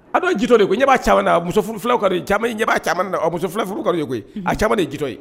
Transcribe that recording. A dɔw jitɔ de ye koyi i ɲɛ b'a caman na muso furu fila ka di caman i ɲɛ b'a caman na muso filafuru ka di u ye koyi, a caman de ye jitɔ ye